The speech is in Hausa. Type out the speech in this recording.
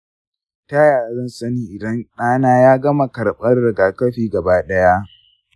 ta yaya zan sani idan ɗana ya gama karɓan rigakafin gabaɗaya?